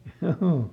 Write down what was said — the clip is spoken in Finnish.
joo